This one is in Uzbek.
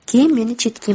keyin meni chetga imladi